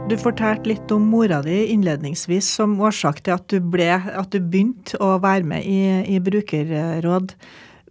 du fortalte litt om mora di innledningsvis som årsak til at du ble at du begynte å være med i i brukerråd.